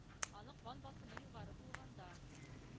Аны кан басымы югары булганда,